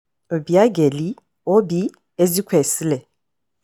Obiageli [Oby] Ezekwesili